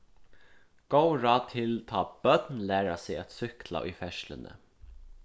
góð ráð til tá børn læra seg at súkkla í ferðsluni